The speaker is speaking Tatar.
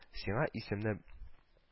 Сиңа исемне